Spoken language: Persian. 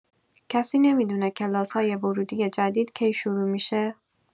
کسی نمی‌دونه کلاس‌های ورودی جدید کی شروع می‌شه؟